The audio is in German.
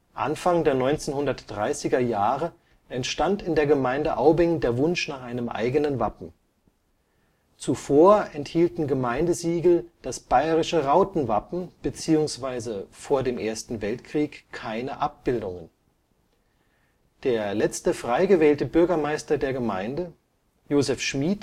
Anfang der 1930er-Jahren entstand in der Gemeinde Aubing der Wunsch nach einem eigenen Wappen. Zuvor enthielten Gemeindesiegel das bayerische Rautenwappen beziehungsweise vor dem Ersten Weltkrieg keine Abbildungen. Der letzte frei gewählte Bürgermeister der Gemeinde, Josef Schmid